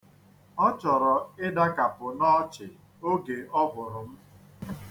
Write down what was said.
Ọ chọrọ ịdakapụ n'ọchị oge ọ hụrụ m.